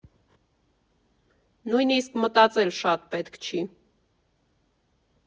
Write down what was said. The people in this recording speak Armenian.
Նույնիսկ մտածել շատ պետք չի։